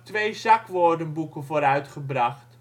twee zakwoordenboeken voor uitgebracht